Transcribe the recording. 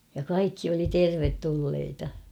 ja kaikki oli tervetulleita